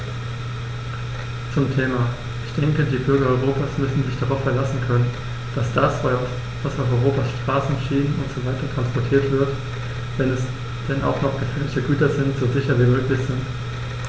Zum Thema: Ich denke, die Bürger Europas müssen sich darauf verlassen können, dass das, was auf Europas Straßen, Schienen usw. transportiert wird, wenn es denn auch noch gefährliche Güter sind, so sicher wie möglich ist.